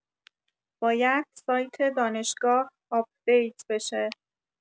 باید سایت دانشگاه آپدیت بشه.